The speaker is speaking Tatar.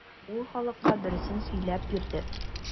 Ул халыкка дөресен сөйләп бирде.